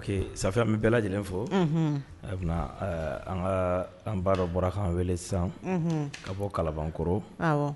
Ok _ safi an bɛ bɛɛ lajɛlen fo, a an ka, an ba dɔ bɔra k'an weele sisan ka bɔ kalabankɔrɔ